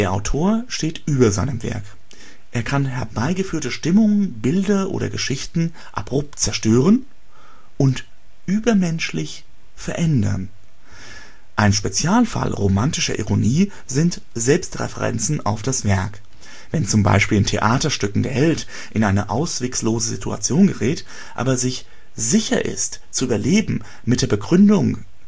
Autor steht über seinem Werk. Er kann herbeigeführte Stimmungen, Bilder oder Geschichten abrupt zerstören und übermenschlich verändern. Ein Spezialfall romantischer Ironie sind Selbstreferenzen auf das Werk. Wenn z. B. in Theaterstücken der Held in eine ausweglose Situation gerät, aber sich sicher ist zu überleben mit der Begründung